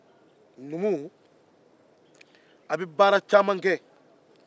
numu be baara caman kɛ